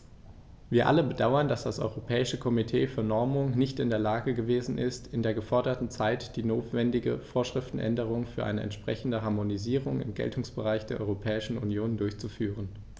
Wir alle bedauern, dass das Europäische Komitee für Normung nicht in der Lage gewesen ist, in der geforderten Zeit die notwendige Vorschriftenänderung für eine entsprechende Harmonisierung im Geltungsbereich der Europäischen Union durchzuführen.